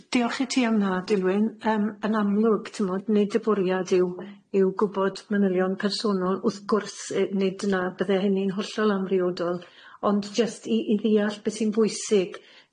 D- diolch i ti am na Dilwyn, yym yn amlwg t'mod nid y bwriad yw yw gwbod manylion personol wrth gwrs yy nid na bydde hynny'n hollol amriodol ond jyst i i ddeall beth sy'n bwysig,